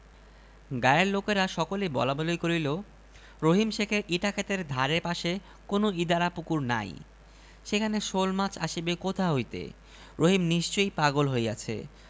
তাহার সামনে ধরিল একে তো ক্ষুধায় তাহার শরীর জ্বলিতেছে তাহার উপর এই মরিচ পােড়া আর ভাত দেখিয়া রহিমের মাথায় খুন চাপিয়া গেল